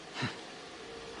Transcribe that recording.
Hmm.